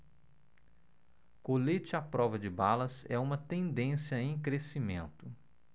colete à prova de balas é uma tendência em crescimento